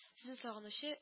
Сезне сагынучы